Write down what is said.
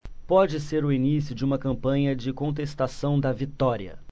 pode ser o início de uma campanha de contestação da vitória